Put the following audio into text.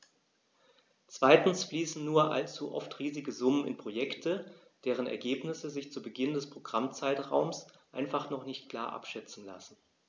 Zweitens fließen nur allzu oft riesige Summen in Projekte, deren Ergebnisse sich zu Beginn des Programmzeitraums einfach noch nicht klar abschätzen lassen.